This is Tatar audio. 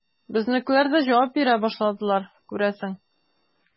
Безнекеләр дә җавап бирә башладылар, күрәсең.